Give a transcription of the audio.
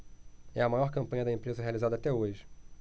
é a maior campanha da empresa realizada até hoje